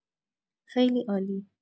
خیلی عالی!